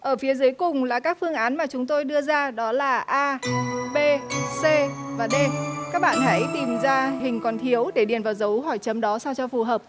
ở phía dưới cùng là các phương án mà chúng tôi đưa ra đó là a bê xê và đê các bạn hãy tìm ra hình còn thiếu để điền vào dấu hỏi chấm đó sao cho phù hợp